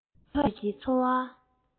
རྗེས ཕྱོགས ཀྱི འཚོ བ